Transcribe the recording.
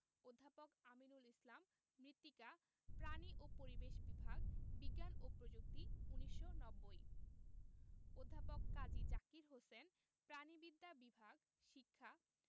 অধ্যাপক আমিনুল ইসলাম মৃত্তিকা প্রানি ও পরিবেশ বিভাগ বিজ্ঞান ও প্রযুক্তি ১৯৯০ অধ্যাপক কাজী জাকের হোসেন প্রাণিবিদ্যা বিভাগ শিক্ষা